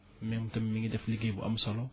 mem tamit mi ngi def liggéey bu am solo